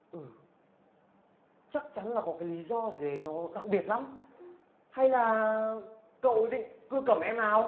ừ chắc chắn là có cái lý do gì nó đặc biệt lắm hay là cậu ý định cưa cẩm em nào